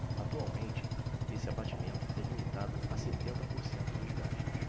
atualmente esse abatimento é limitado a setenta por cento dos gastos